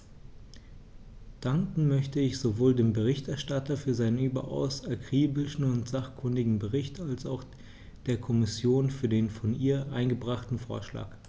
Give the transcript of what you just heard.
Danken möchte ich sowohl dem Berichterstatter für seinen überaus akribischen und sachkundigen Bericht als auch der Kommission für den von ihr eingebrachten Vorschlag.